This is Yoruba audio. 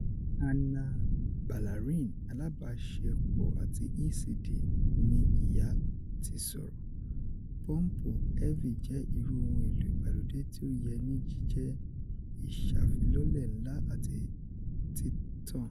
Ana Balarin, alabaṣepọ ati ECD ni Iya ti sọrọ: "Pọmpu Elvie jẹ iru ohun elo igbalode ti o yẹ ni jijẹ iṣafilọlẹ nla ati titan.